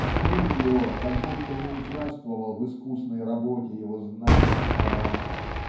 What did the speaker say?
что дух его как будто не участвовал в искусной работе его знаний и таланта.